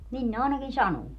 niin ne ainakin sanoo